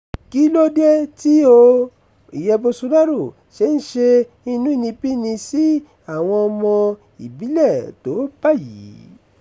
Kí ló dé tí ó [Bolsonaro] ṣe ń ṣe inúnibíni sí àwọn ọmọ ìbílẹ̀ tó báyìí?